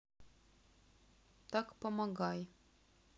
так помогай